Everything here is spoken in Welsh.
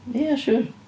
Ia, siŵr.